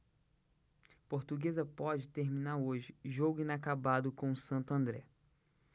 portuguesa pode terminar hoje jogo inacabado com o santo andré